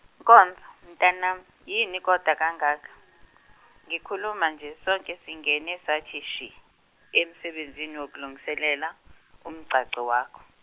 Nkonzo, mtanami, yini kodwa kangaka, ngikhuluma nje sonke singene sathi shi, emsebenzini wokulungiselela umgcagco wakho.